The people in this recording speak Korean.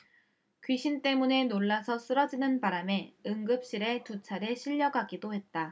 귀신 때문에 놀라서 쓰러지는 바람에 응급실에 두 차례 실려가기도 했다